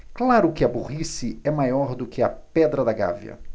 claro que a burrice é maior do que a pedra da gávea